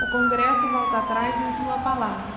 o congresso volta atrás em sua palavra